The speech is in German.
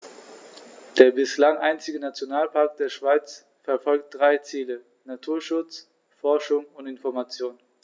Der bislang einzige Nationalpark der Schweiz verfolgt drei Ziele: Naturschutz, Forschung und Information.